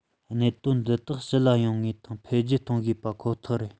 གནད དོན འདི དག ཕྱི ལ ཡོང ངེས དང འཕེལ རྒྱས གཏོང དགོས པ ཁོ ཐག རེད